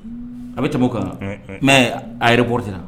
A bɛ tɛmɛ o kan. ɛ ɛ Mais a reportera .